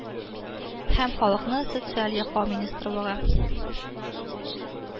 Һәм халыкны социаль яклау министрлыгы